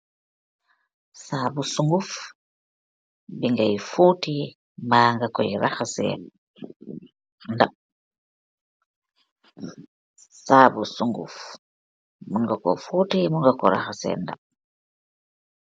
Saabu suunguff bi ngai fohteh mba nga koiy rahaseh ndabp, saabu suunguff mun nga kor fohteh mun nga kor rahaseh ndabp.